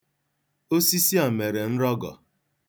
Osisi a mere nrọgọ.